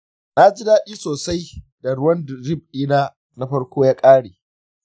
naji dadi sosai da ruwan drip dina na farko ya kare.